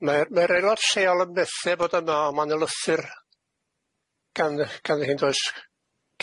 mae'r mae'r aelod lleol yn bethe fod yno ond ma'n elusur gan yy gan y hyn does?